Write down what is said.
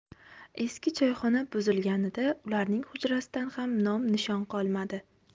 eski choyxona buzilganida ularning hujrasidan ham nom nishon qolmadi